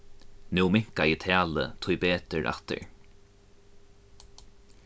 nú minkaði talið tíbetur aftur